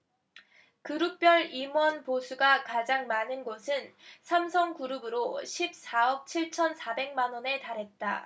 그룹별 임원 보수가 가장 많은 곳은 삼성그룹으로 십 사 억 칠 천 사백 만원에 달했다